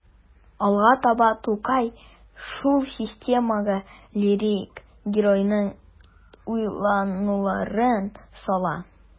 Алга таба Тукай шул системага лирик геройның уйлануларын сала.